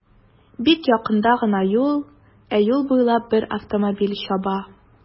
Бик якында гына юл, ә юл буйлап бер автомобиль чаба.